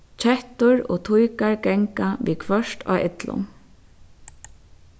kettur og tíkar ganga viðhvørt á illum